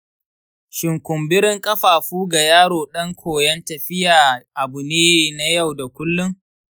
shin kumburin ƙafafu ga yaro ɗan koyon tafiya abu ne na yau da kullum